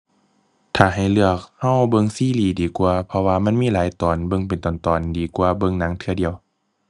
ถ้าให้เลือกเราเบิ่งซีรีส์ดีกว่า เพราะว่ามันมีหลายตอนเบิ่งเป็นตอนตอนดีกว่า เบิ่งหนังเทื่อเดียว